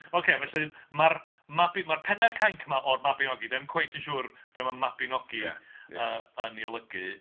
Ocê, felly mae'r Mabi- mae'r Pedair Cainc 'ma o'r Mabinogi dan ni'm cweit yn siwr be' mae'r Mabinogi yy yn ei olygu.